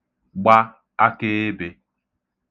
gba akeebē